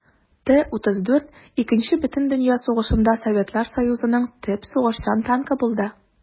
Т-34 Икенче бөтендөнья сугышында Советлар Союзының төп сугышчан танкы булды.